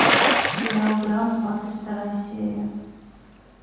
сериал гранд двадцать вторая серия